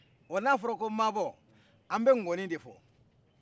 wa n'a fɔra ko mabɔ an bɛ ŋɔni de fɔ